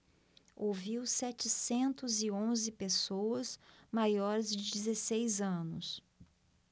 ouviu setecentos e onze pessoas maiores de dezesseis anos